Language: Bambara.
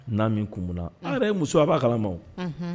Na min kumun na, unhun, a yɛrɛ ye muso a b'a kalama wo, unhun.